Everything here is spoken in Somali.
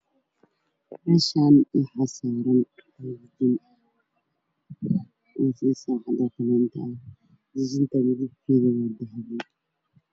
Meshan waxa saran jijin midabked waa dahbi